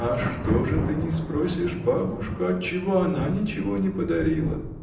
— А что ж ты не спросишь бабушку, отчего она ничего не подарила?